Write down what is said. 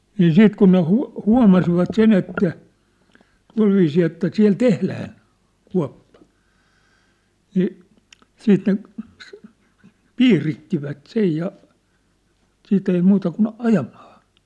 niin sitten kun ne - huomasivat sen että tuolla viisiin että siellä tehdään kuoppa niin sitten ne - piirittivät sen ja sitten ei muuta kuin ajamaan